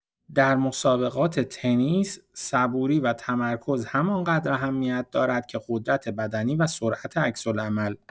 در مسابقات تنیس، صبوری و تمرکز همان‌قدر اهمیت دارد که قدرت‌بدنی و سرعت عکس‌العمل.